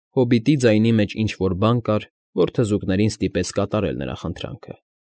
Հոբիտի ձայնի մեջ ինչ֊որ բան կար, որը թզուկներին ստիպեց կատարել նրա խնդրանքը։